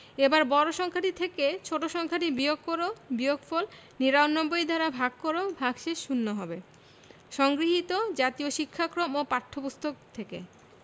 এবার বড় সংখ্যাটি থেকে ছোট সংখ্যাটি বিয়োগ কর বিয়োগফল ৯৯ দ্বারা ভাগ কর ভাগশেষ শূন্য হবে সংগৃহীত জাতীয় শিক্ষাক্রম ও পাঠ্যপুস্তক থেকে